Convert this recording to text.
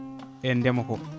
e ndeema ko